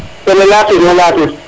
kene Latir o Latir